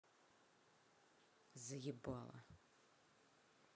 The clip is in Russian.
заебала